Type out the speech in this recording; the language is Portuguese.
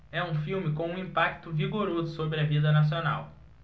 é um filme com um impacto vigoroso sobre a vida nacional